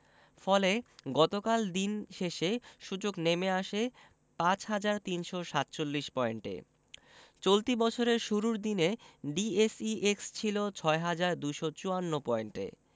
ফলে গতকাল দিন শেষে সূচক নেমে আসে ৫ হাজার ৩৪৭ পয়েন্টে চলতি বছরের শুরুর দিনে ডিএসইএক্স ছিল ৬ হাজার ২৫৪ পয়েন্টে